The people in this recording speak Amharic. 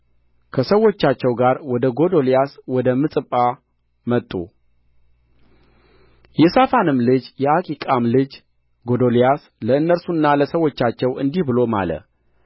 ከሰዎቻቸው ጋር ወደ ጎዶልያስ ወደ ምጽጳ መጡ የሳፋንም ልጅ የአኪቃም ልጅ ጎዶልያስ ለእነርሱና ለሰዎቻቸው እንዲህ ብሎ ማለ